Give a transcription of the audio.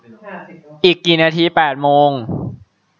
อีกกี่นาทีแปดโมง